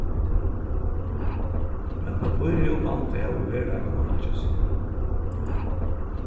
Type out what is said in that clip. men pappírið og bandið hava í veruleikanum einki at siga